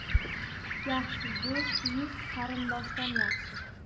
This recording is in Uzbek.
yaxshi do'st yuz qarindoshdan yaxshi